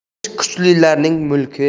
kechirish kuchlilarning mulki